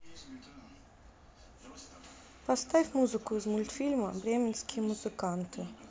поставь музыку из мультфильма бременские музыканты